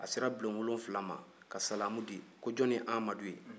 a sera bulon wolonwula ma ka salamu di ko jɔn ye amadu ye